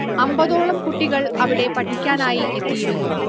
അമ്പതോളം കുട്ടികൾ അവിടെ പഠിക്കാനായി എത്തിയിരുന്നു